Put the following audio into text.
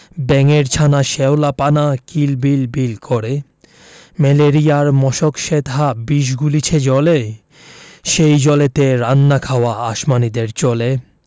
ব্যাঙের ছানা শ্যাওলা পানা কিল বিল বিল করে ম্যালেরিয়ার মশক সেথা বিষ গুলিছে জলে সেই জলেতে রান্না খাওয়া আসমানীদের চলে